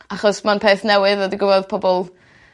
Achos ma'n peth newydd pobol